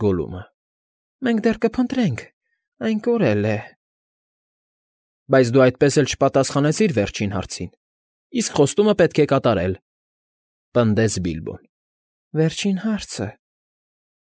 Գոլլումը։֊ Մենք դեռ կփնտրենք, այն կորել է, գոլլմ։ ֊ Բայց դու այդպես էլ չպատասխանեցիր վերջին հարցին, իսկ խոստումը պետք է կատարել,֊ պնդեց Բիլբոն։ ֊ Վերջին հարցը,֊